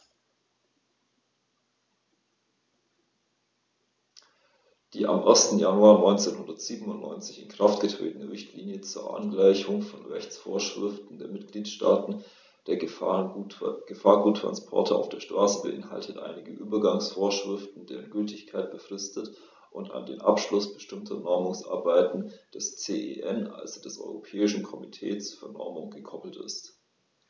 Die am 1. Januar 1997 in Kraft getretene Richtlinie zur Angleichung von Rechtsvorschriften der Mitgliedstaaten für Gefahrguttransporte auf der Straße beinhaltet einige Übergangsvorschriften, deren Gültigkeit befristet und an den Abschluss bestimmter Normungsarbeiten des CEN, also des Europäischen Komitees für Normung, gekoppelt ist.